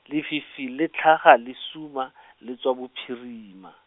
lefifi la tlhaga le suma , le tswa bophirima.